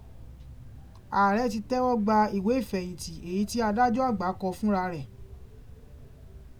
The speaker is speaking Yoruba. Ààrẹ ti tẹ́wọ́ gba ìwé ìfẹ̀yìntì èyí tí adájọ́ àgbà kọ fúnra rẹ̀.